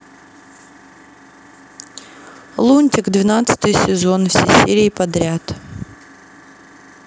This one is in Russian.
лунтик двенадцатый сезон все серии подряд